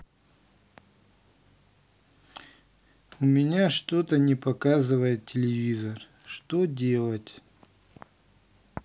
у меня что то не показывает телевизор что делать